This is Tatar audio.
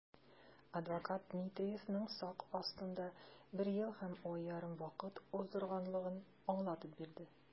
Адвокат Дмитриевның сак астында бер ел һәм ай ярым вакыт уздырганлыгын аңлатып бирде.